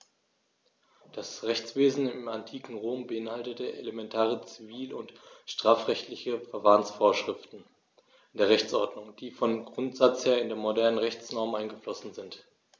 Das Rechtswesen im antiken Rom beinhaltete elementare zivil- und strafrechtliche Verfahrensvorschriften in der Rechtsordnung, die vom Grundsatz her in die modernen Rechtsnormen eingeflossen sind.